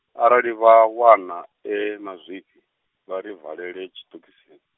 arali vha, wana, e mazwifhi, vha ri valele tshiṱokisini.